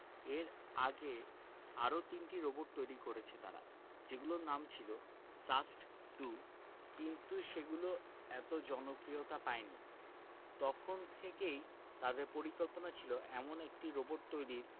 এর আগে আরও তিনটি রোবট তৈরি করেছে তারা যেগুলোর নাম ছিল সাস্ট টু কিন্তু সেগুলো এত জনপ্রিয়তা পায়নি তখন থেকেই তাদের পরিকল্পনা ছিল এমন একটি রোবট তৈরির